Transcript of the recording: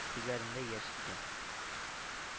Ләрендә яшь иде